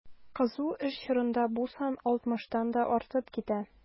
Кызу эш чорында бу сан 60 тан да артып китә.